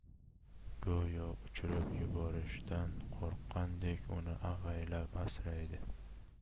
go'yo uchirib yuborishdan qo'rqqandek uni avaylab asraydi